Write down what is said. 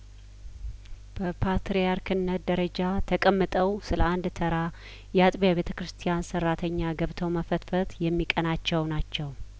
በፓትርያርክነት ደረጃ ተቀምጠው ስለአንድ ተራ የአጥቢያ ቤተክርስቲያን ሰራተኛ ገብተው መፈትፈት የሚቀናቸው ናቸው